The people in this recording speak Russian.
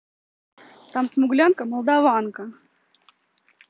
там смуглянка молдаванка